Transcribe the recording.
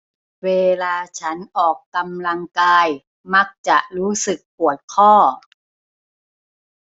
เวลาฉันออกกำลังกายมักจะรู้สึกปวดข้อ